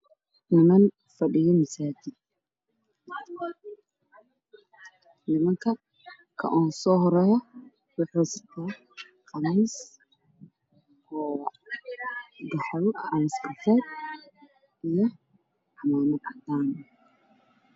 Niman fadhiya masaajid kasoo horeeyaa wuxu wataa khamiis boodha iyo cumamad cadaana